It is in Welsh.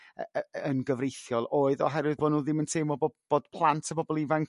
yrr y- yn gyfreithiol oedd oherwydd bo nhw'n ddim yn teimlo bo- bod plant a bobl ifanc